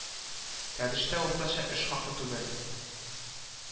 Тәтештә уртача эш хакы түбән